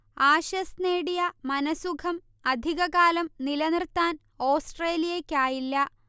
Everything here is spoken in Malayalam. ആഷസ് നേടിയ മനഃസുഖം അധിക കാലം നിലനിർത്താൻ ഓസ്ട്രേലിയയ്ക്കായില്ല